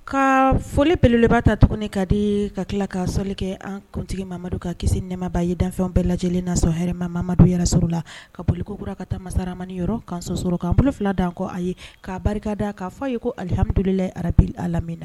Ka foli beleba ta tuguni ka di ka tila ka soli kɛ an kuntigi mamadu ka kisi nɛmaba ye danfɛnw bɛɛ lajɛ lajɛlen nasɔrɔ hma mamadu yɛrɛsɔrɔ la ka boli kokura ka taamasamani yɔrɔ k ka sɔsɔrɔ k' bolo fila dan an kɔ a ye k'a barika da a k'a fɔ a ye ko alihamdulilala arabubi lammi na